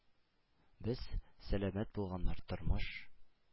Без, сәламәт булганнар, тормыш